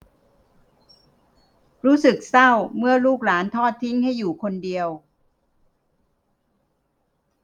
รู้สึกเศร้าเมื่อลูกหลานทอดทิ้งให้อยู่คนเดียว